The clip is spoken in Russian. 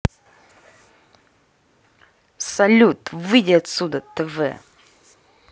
салют выйди отсюда тв